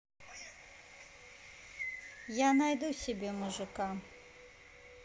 я найду себе мужика